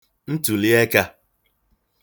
ntụ̀liẹkā